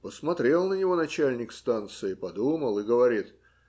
Посмотрел на него начальник станции, подумал и говорит